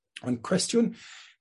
Ond cwestiwn